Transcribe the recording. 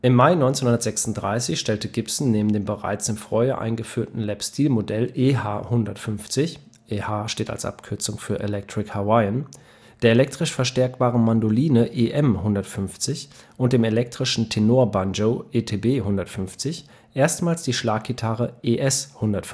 Mai 1936 stellte Gibson neben dem bereits im Vorjahr eingeführten Lap Steel-Modell EH-150 („ EH “als Abkürzung für Electric-Hawaiian), der elektrisch verstärkbaren Mandoline EM-150 und dem elektrischen Tenorbanjo ETB-150 erstmals die Schlaggitarre ES-150